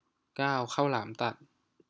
เก้าข้าวหลามตัด